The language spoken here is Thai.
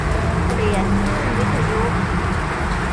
เปลี่ยนคลื่นวิทยุ